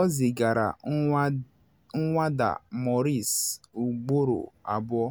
o zigara Nwada Maurice ugboro abụọ.